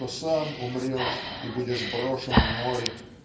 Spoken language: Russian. что сам умрешь и будешь брошен в море".